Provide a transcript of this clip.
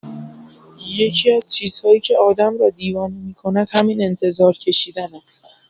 یکی‌از چیزهایی که آدم را دیوانه می‌کند همین انتظار کشیدن است.